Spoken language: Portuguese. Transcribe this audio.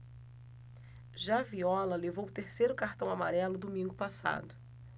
já viola levou o terceiro cartão amarelo domingo passado